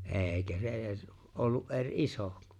eikä se edes ollut eri iso